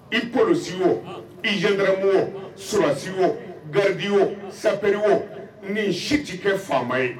I kolosi wo izkabo sulasi wo garandi woo sapri wo ni si tɛ kɛ faama ye